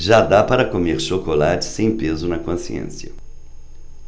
já dá para comer chocolate sem peso na consciência